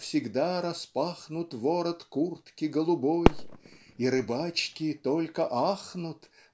всегда распахнут Ворот куртки голубой И рыбачки только ахнут